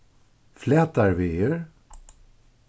flatarvegur